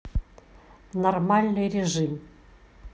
нормальный режим